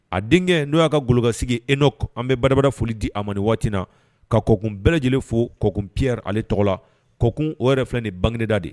A denkɛ n'o ya ka golobasigi e n'o an bɛbabarara foli di a amadu waati na ka kɔkun bɛɛ lajɛlen fo kɔkun ppɛri ale tɔgɔ la kɔk o yɛrɛ filɛ ni bangegda de ye